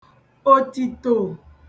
òtìto